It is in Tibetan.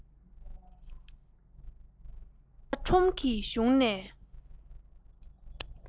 ར ས ཁྲོམ གྱི གཞུང ནས